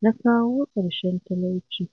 na kawo ƙarshen talauci.